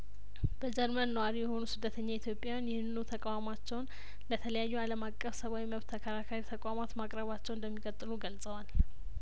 በጀርመን ነዋሪ የሆኑ ስደተኛ ኢትዮጵያውያን ይህንኑ ተቃውሟቸውን ለተለያዩ አለም አቀፍ ሰብአዊ መብት ተከራካሪ ተቋማት ማቅረባቸው እንደሚቀጥሉ ገልጸዋል